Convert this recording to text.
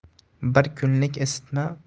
bir kunlik isitma